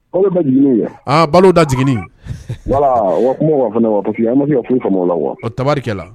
Balo da jigin wala wa kuma wa tarikɛla